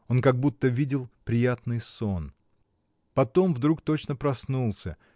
Он как будто видел приятный сон. Потом вдруг точно проснулся